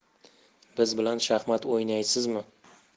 biz bilan shaxmat o'ynaysizmi